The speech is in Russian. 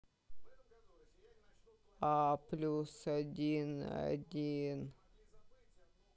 а плюс один один